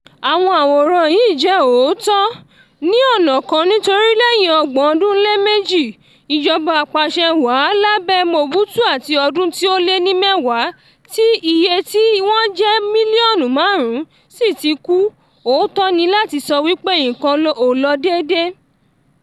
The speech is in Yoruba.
Àwòrán yìí jẹ́ òótọ́ ní ọ̀nà kan nítorí lẹ́yìn ọgbọ̀n ọdún lé méjì ìjọba apàṣẹ wàá lábẹ́ Mobutu àti ọdún tí ó lé ní mẹ́wàá tí iye tí wọ́n jẹ́ mílíọ̀nù márùn-ún sí tí kú, òótọ́ ni láti sọ wí pé nǹkan ò lọ déédé.